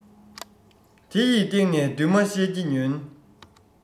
དེ ཡི སྟེང ནས འདུན མ བཤད ཀྱི ཉོན